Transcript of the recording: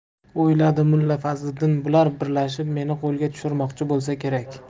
o'yladi mulla fazliddin bular birgalashib meni qo'lga tushurmoqchi bo'lsa kerak